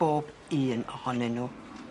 Bob un ohonyn nw.